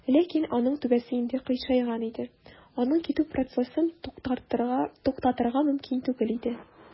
Ләкин аның түбәсе инде "кыйшайган" иде, аның китү процессын туктатырга мөмкин түгел иде.